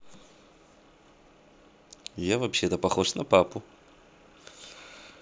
я вообще то похож на папу